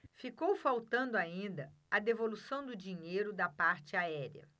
ficou faltando ainda a devolução do dinheiro da parte aérea